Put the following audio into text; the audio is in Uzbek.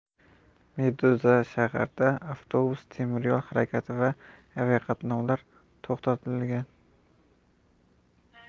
meduzashaharda avtobus temiryo'l harakati va aviaqatnovlar to'xtatilgan